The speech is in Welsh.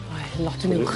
O ie lot yn uwch.